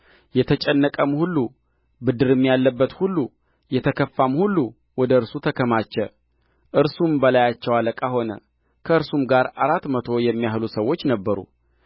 የተጨነቀውም ሁሉ ብድርም ያለበት ሁሉ የተከፋም ሁሉ ወደ እርሱ ተከማቸ እርሱም በላያቸው አለቃ ሆነ ከእርሱም ጋር አራት መቶ የሚያህሉ ሰዎች ነበሩ